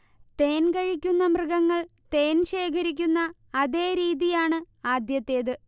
തേൻകഴിക്കുന്ന മൃഗങ്ങൾ തേൻശേഖരിക്കുന്ന അതേ രീതിയാണ് ആദ്യത്തേത്